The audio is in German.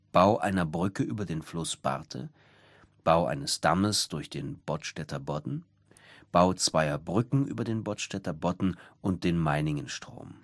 Bau einer Brücke über den Fluss Barthe Bau eines Dammes durch den Bodstedter Bodden Bau zweier Brücken über den Bodstedter Bodden und den Meiningenstrom